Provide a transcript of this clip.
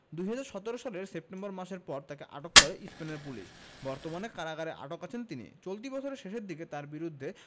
২০১৭ সালের সেপ্টেম্বর মাসের পর তাকে আটক করে স্পেনের পুলিশ বর্তমানে কারাগারে আটক আছেন তিনি চলতি বছরের শেষের দিকে তাঁর বিরুদ্ধে